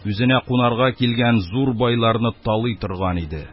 Үзенә кунарга килгән зур байларны талый торган иде.